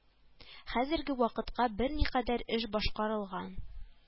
Хәзерге вакытка берникадәр эш башкарылган